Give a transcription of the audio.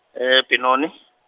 e- Benoni.